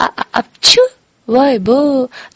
ap ap ap shu voy bo'